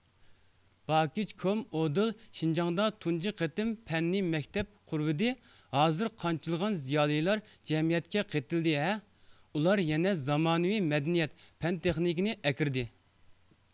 باكىچ كوم ئوددىل شىنجاڭدا تۇنجى قېتىم پەننىي مەكتەپ قۇرۇۋىدى ھازىر قانچىلىغان زىيالىيلار جەمئىيەتكە قېتىلدى ھە ئۇلار يەنە زامانىۋى مەدەنىيەت پەن تېخنىكىنى ئەكىردى